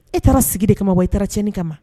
E taara sigi de kama wa i taara tiɲɛni de ka ma?